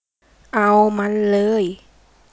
เอามันเลย